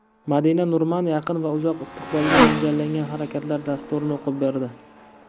madina nurman yaqin va uzoq istiqbolga mo'ljallangan harakatlar dasuturini o'qib berdi